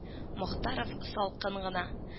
Мохтаров салкын гына: